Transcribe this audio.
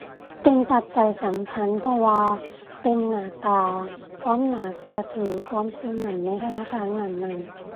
เป็นปัจจัยสำคัญ เพราะว่าเป็นหน้าตา ความน่าเชื่อถือ ความเชื่อมั่นในธนาคารนั้นนั้น